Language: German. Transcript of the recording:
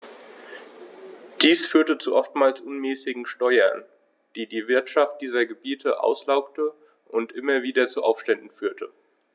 Dies führte zu oftmals unmäßigen Steuern, die die Wirtschaft dieser Gebiete auslaugte und immer wieder zu Aufständen führte.